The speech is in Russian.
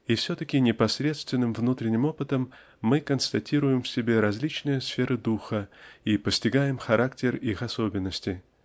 И все-таки непосредственным внутренним опытом мы констатируем в себе различные сферы духа и постигаем характер их особенности.